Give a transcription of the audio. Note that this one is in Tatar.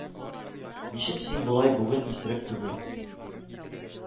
Ничек син болай бүген исерек түгел